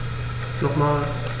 Nochmal.